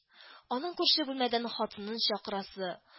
Аның күрше бүлмәдән хатынын чакырасы